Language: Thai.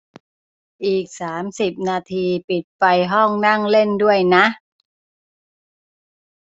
อีกสามสิบนาทีปิดไฟห้องนั่งเล่นด้วยนะ